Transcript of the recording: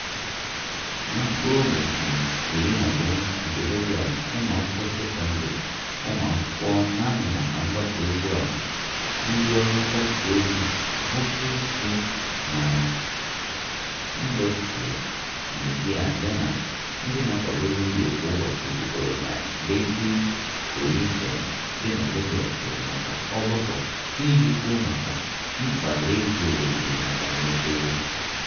Na Febụwarị 12, ụmụ akwụkwọ sekọndrị, ụmụakwụkwọ na-amụ maka mgbasa ozi ọha, ndị ọrụ mgbasa ozi bụ ndị isi na ndọstrị midịa yana ndị na-akwado redio kwa ụbọchị zukọrọ na Lekki Coliseum dị na Lagos maka ogbako iji kwuo maka mkpa redio dị maka mmepe.